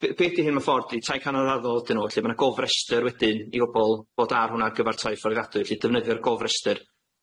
be- be' 'di hyn mewn ffor 'di tai canol raddol ydyn nw felly ma' 'na gofrestyr wedyn i bobol fod ar hwnna ar gyfar tai fforiadwy felly defnyddio'r gofrestyr